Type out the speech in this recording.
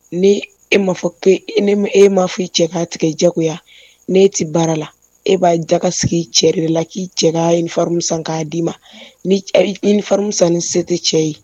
Ni e ma fɔ e m maa fɔ i cɛ k'a tigɛ jagoya ne tɛ baara la e b'a jaka sigi cɛ la k'i cɛ kafamu san k'a' ma nifamu san ni se tɛ cɛ ye